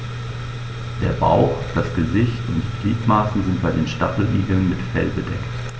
Der Bauch, das Gesicht und die Gliedmaßen sind bei den Stacheligeln mit Fell bedeckt.